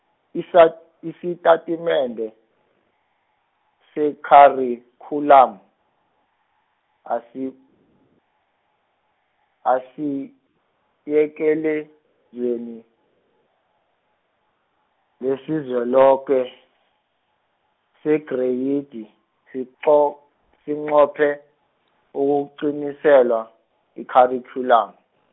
isa- isitatimende , seKharikhyulamu, asi- -asiyekelezeni, lesiZweloke, seGreyidi, siqo- sinqophe, ukuqinisela, ikharikhyulamu .